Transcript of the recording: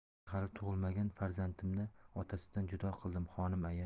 men hali tug'ilmagan farzandimni otasidan judo qildim xonim aya